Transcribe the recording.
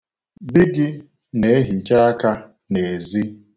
Di gị na-ehicha aka n'ezi.